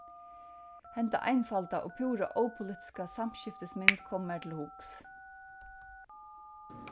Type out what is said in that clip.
henda einfalda og púra ópolitiska samskiftismynd kom mær til hugs